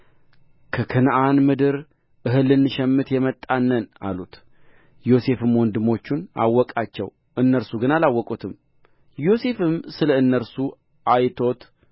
ከከነዓን ምድር እህል ልንሸምት የመጣን ነን አሉት ዮሴፍም ወንድሞቹን አወቃቸው እነርሱ ግን አላወቁትም ዮሴፍም ስለ እነርሱ አይቶት